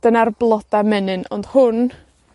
dyna'r bloda' menyn, ond hwn